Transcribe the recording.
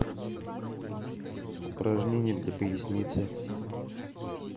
упражнения для поясницы